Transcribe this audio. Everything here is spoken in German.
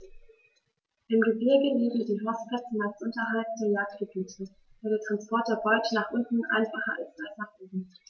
Im Gebirge liegen die Horstplätze meist unterhalb der Jagdgebiete, da der Transport der Beute nach unten einfacher ist als nach oben.